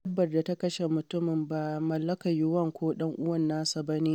Dabbar da ta kashe mutumin ba mallakar Yuan ko ɗan uwan nasa ba ne.